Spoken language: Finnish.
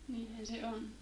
niinhän se on